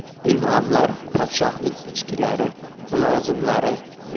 bu inomlar podshohning ichkilari mulozimlari